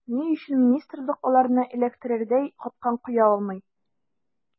Ни өчен министрлык аларны эләктерердәй “капкан” куя алмый.